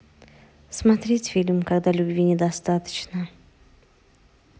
смотреть фильм когда любви недостаточно